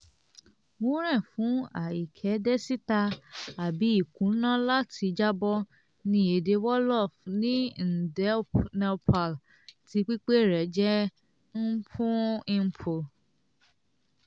Wúnrẹ̀n fún "àìkédesíta" àbí "ìkùnà láti jábọ̀" ní èdè Wolof ní ndeup neupal (tí pípè rẹ̀ jẹ́ "n-puh n-puh").